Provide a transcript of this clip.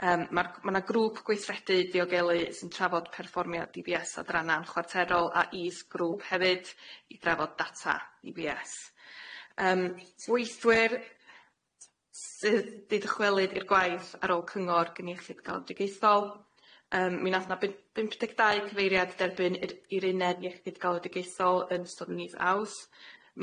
Yym ma'r ma' na grŵp gweithredu diogelu sy'n trafod perfformiad Dee Bee Ess adrana'n chwarterol a is grŵp hefyd i drafod data Dee Bee Ess. Yym weithwyr sydd di dychwelyd i'r gwaith ar ôl cyngor gyniechyd galwadigaethol yym mi nath na by- by'n pymdeg dau cyfeiriad derbyn i'r i'r uned iechyd galwadigaethol yn ystod mis Awst.